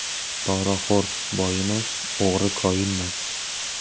poraxo'r boyimas o'g'ri koyinmas